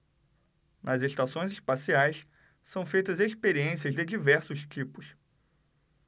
nas estações espaciais são feitas experiências de diversos tipos